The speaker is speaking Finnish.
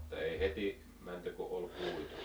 mutta ei heti menty kun oli puitu